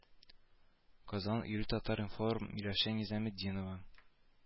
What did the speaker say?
Казан июль татар-информ миләүшә низаметдинова